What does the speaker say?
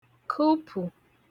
kụpù